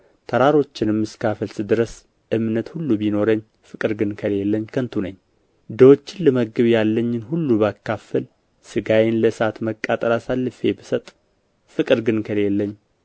ተራሮችንም እስካፈልስ ድረስ እምነት ሁሉ ቢኖረኝ ፍቅር ግን ከሌለኝ ከንቱ ነኝ ድሆችንም ልመግብ ያለኝን ሁሉ ባካፍል ሥጋዬንም ለእሳት መቃጠል አሳልፌ ብሰጥ ፍቅር ግን ከሌለኝ